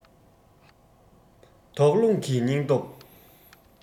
དོགས སློང གི སྙིང སྟོབས